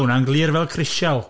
Ma' hwnna'n glir fel crisial.